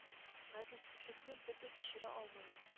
Гаделсезлекне бер дә кичерә алмый ул